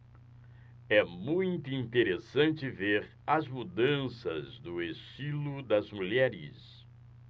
é muito interessante ver as mudanças do estilo das mulheres